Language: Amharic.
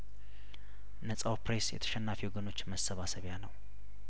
ነጻው ፕሬስ የተሸናፊ ወገኖች መሰ ባሰ ቢያነው